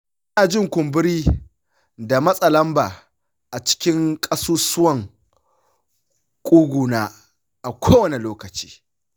ina jin kumburi da matsa lamba a cikin ƙasusuwan ƙuguna a kowane lokaci.